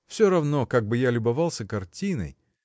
Всё равно как бы я любовался картиной.